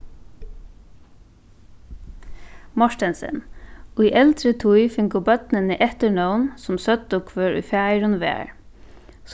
mortensen í eldri tíð fingu børnini eftirnøvn sum søgdu hvør ið faðirin var